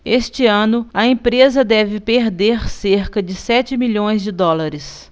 este ano a empresa deve perder cerca de sete milhões de dólares